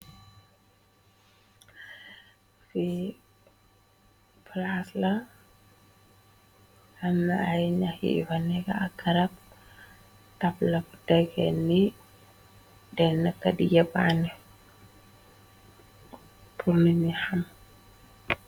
Fi plasla, amn ay ñaxiifa nek, ak karab, tabla bu tegen ni, denn ka di ye banne purni ni xam.